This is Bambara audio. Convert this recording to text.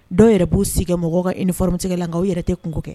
Dɔw yɛrɛ b'u sigi mɔgɔ ka i ni fɔlɔɔrɔmuso la kan'aw yɛrɛ tɛ kungo kɛ